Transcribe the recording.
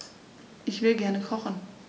Ich will gerne kochen.